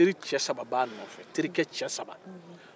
terike cɛ saba b'a fɛ